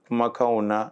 Kumakanw na